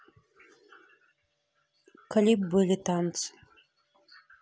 клип были танцы